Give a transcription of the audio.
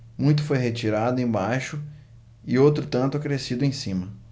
muito foi retirado embaixo e outro tanto acrescido em cima